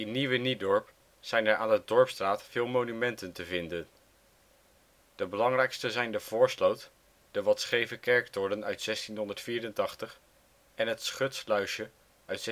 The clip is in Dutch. Nieuwe Niedorp zijn er aan de Dorpsstraat veel monumenten te vinden. De belangrijkste zijn de Voorsloot, de wat scheve kerktoren uit 1684 en het Schutsluisje uit